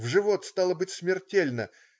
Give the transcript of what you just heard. В живот - стало быть, смертельно.